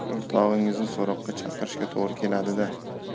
o'rtog'ingizni so'roqqa chaqirishga to'g'ri keladi da